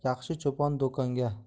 berar yaxshi cho'pon do'konga